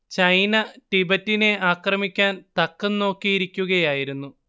China ടിബറ്റിനെ ആക്രമിക്കാൻ തക്കം നോക്കിയിരിക്കുകയായിരുന്നു